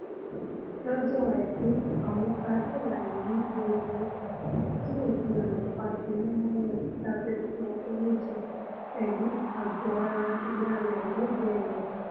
Lọ́jọ́ Àìkú, àwọn adóòlà-ẹ̀mí yọ obìnrin kan ti ògiri àlàpà ti mú mọ́lẹ̀ sábẹ́ fún ọjọ́ méjì pẹ̀lú àgọ́-ara ìyá rẹ̀ lẹ́ẹ̀gbẹ́ rẹ̀